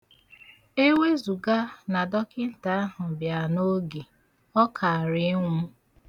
Ewezuga na dọkịnta ahụ bịa n'oge, ọ kaara ịnwụ.